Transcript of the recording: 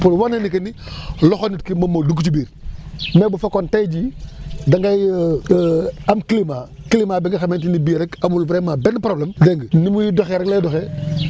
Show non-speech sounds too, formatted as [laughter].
pour wane ni que ni [breath] loxo nit ki moom moo dugg ci biir mais bu fekkoon tey jii da ngay [hesitation] am climat climat bi nga xamante ni bii rek amul vraiment benn problème dégg nga ni muy doxee rek lay doxee [noise]